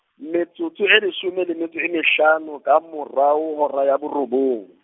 metsotso e leshome le metso e mehlano, ka mora ho hora ya borobong.